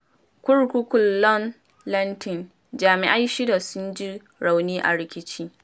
Kurkukun Long Lartin: Jami’ai shida sun ji rauni a rikici